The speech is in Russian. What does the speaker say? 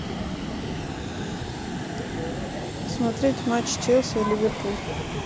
смотреть матч челси ливерпуль